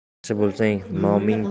yaxshi bo'lsang noming